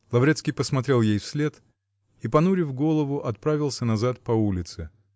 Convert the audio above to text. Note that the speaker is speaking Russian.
Лаврецкий посмотрел ей вслед и, понурив голову, отправился назад по улице.